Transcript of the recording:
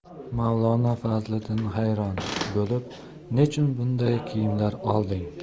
mavlono fazliddin hayron bo'lib nechun bunday kiyimlar olding